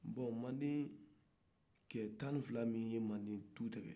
bɔn manden cɛ tan ni fila minnu ye manden tu tigɛ